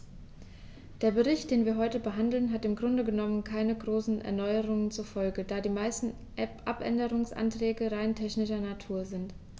Der Bericht, den wir heute behandeln, hat im Grunde genommen keine großen Erneuerungen zur Folge, da die meisten Abänderungsanträge rein technischer Natur sind.